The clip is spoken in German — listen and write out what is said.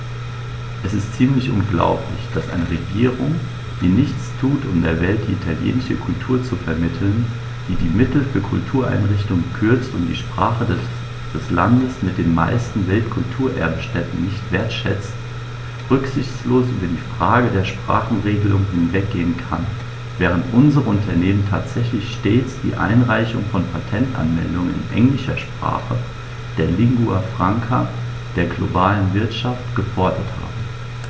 Es ist ziemlich unglaublich, dass eine Regierung, die nichts tut, um der Welt die italienische Kultur zu vermitteln, die die Mittel für Kultureinrichtungen kürzt und die Sprache des Landes mit den meisten Weltkulturerbe-Stätten nicht wertschätzt, rücksichtslos über die Frage der Sprachenregelung hinweggehen kann, während unsere Unternehmen tatsächlich stets die Einreichung von Patentanmeldungen in englischer Sprache, der Lingua Franca der globalen Wirtschaft, gefordert haben.